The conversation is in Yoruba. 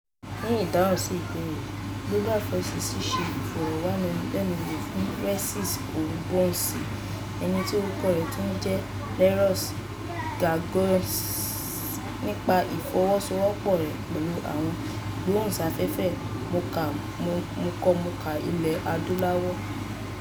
Ní ìdáhùn sí ìbéèrè yìí, Global Voices ṣe ìfọ̀rọ̀wánilẹ́nuwò fún Réassi Ouabonzi, ẹni tí orúkọ rẹ̀ tún ún jẹ́ Lareus Gangoueus nípa ìfọwọ́sowọ́pọ̀ rẹ̀ pẹ̀lú àwọn ìgbóhùnsáfẹ́fẹ́ mọ̀ọ́kọmọ̀ọ́kà Ilẹ̀ Adúláwò.